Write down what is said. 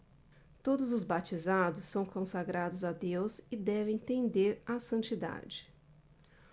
todos os batizados são consagrados a deus e devem tender à santidade